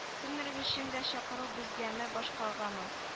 Кемнәр өчен бу чакыру безгәме башкагамы